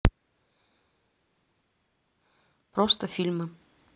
просто фильмы